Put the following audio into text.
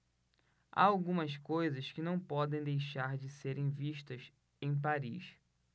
há algumas coisas que não podem deixar de serem vistas em paris